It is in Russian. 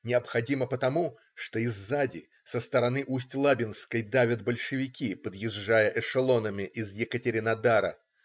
Необходимо потому, что и сзади, со стороны Усть-Лабинской, давят большевики, подъезжая эшелонами из Екатеринодара.